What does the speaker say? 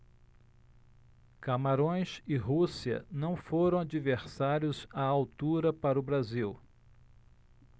camarões e rússia não foram adversários à altura para o brasil